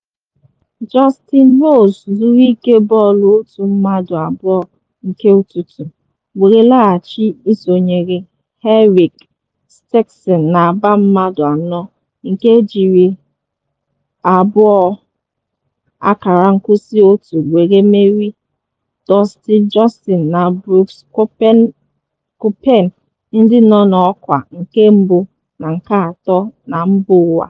Justin Rose zuru ike bọọlụ otu mmadụ abụọ nke ụtụtụ, were laghachi isonyere Henrik Stenson na agba mmadụ anọ nke ejiri 2&1 were merie Dustin Johnson na Brooks Koepka-ndị nọ n’ọkwa nke mbu na nke atọ na mba ụwa.